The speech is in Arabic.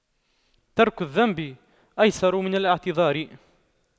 ترك الذنب أيسر من الاعتذار